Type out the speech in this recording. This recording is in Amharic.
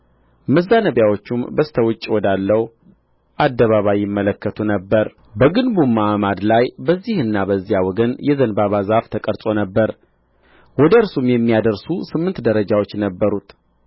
መዛነቢያዎቹም በስተ ውጭ ወዳለው አደባባይ ይመለከቱ ነበር በግንቡም አዕማድ ላይ በዚህና በዚያ ወገን የዘንባባ ዛፍ ተቀርጾ ነበር ወደ እርሱም የሚያደርሱ ስምንት ደረጃዎች ነበሩት